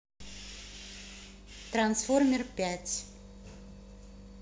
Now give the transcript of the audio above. трансформеры пять